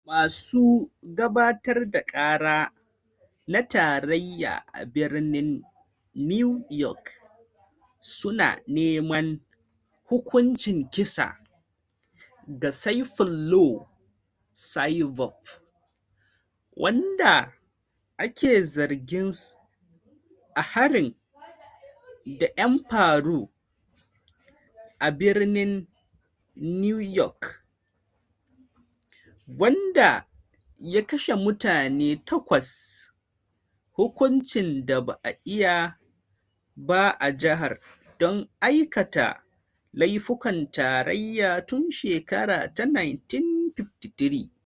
Masu gabatar da kara na tarayya a birnin New York suna neman hukuncin kisa ga Sayfullo Saipov, wanda ake zargin a harin da ya faru a birnin New York, wanda ya kashe mutane takwas - hukuncin da ba a yi ba a jihar don aikata laifukan tarayya tun shekara ta 1953.